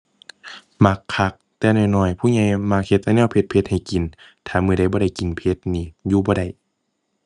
มักคักแต่น้อยน้อย ผู้ใหญ่มักเฮ็ดแต่แนวเผ็ดเผ็ดให้กิน ถ้ามื้อใดบ่ได้กินเผ็ดนี่อยู่บ่ได้